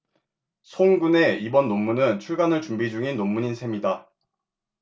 송 군의 이번 논문은 출간을 준비 중인 논문인 셈이다